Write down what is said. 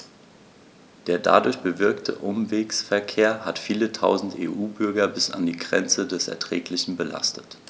Der dadurch bewirkte Umwegsverkehr hat viele Tausend EU-Bürger bis an die Grenze des Erträglichen belastet.